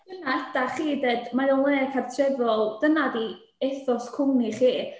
Dyna ydach chi de? Mae o'n le cartrefol. Dyna 'di ethos cwmni chi.